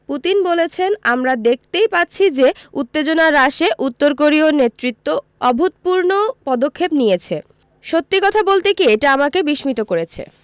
Putin বলেছেন আমরা দেখতেই পাচ্ছি যে উত্তেজনা হ্রাসে উত্তর কোরীয় নেতৃত্ব অভূতপূর্ণ পদক্ষেপ নিয়েছে সত্যি কথা বলতে কি এটা আমাকে বিস্মিত করেছে